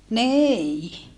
niin